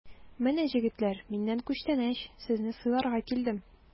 Менә, җегетләр, миннән күчтәнәч, сезне сыйларга килдем!